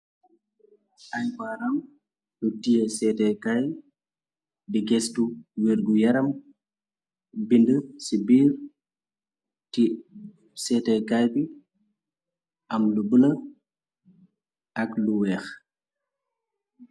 Ay baram lu tié sétékaay di géstu wergu yaram bind ci biir sétékaay bi am lu bëla ak lu wéex.